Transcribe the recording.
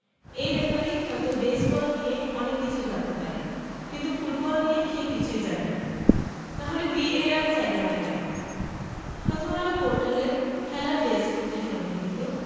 এই রেফারি হয়তো বেসবল নিয়ে অনেক কিছু জানতে পারে কিন্তু ফুটবল নিয়ে সে কিছুই জানে না না হলে ভিএআর চাইবে না কেন প্রথমআলো পোর্টালের খেলা ডেস্ক হতে সংগৃহীত